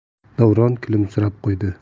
davron kulimsirab qo'ydi